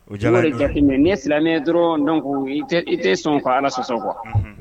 O diyara n ye n ye o de jate minɛ n'i ye silamɛ ye dɔrɔn donc i tɛ sɔn ka Ala sɔsɔ quoi .